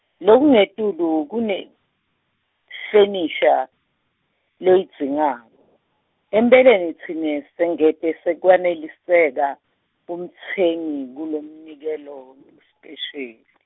lokungetulu kunefenisha loyidzingako, empeleni tsine sengeta se kweneliseka kumtsengi kulomnikelo losipesheli.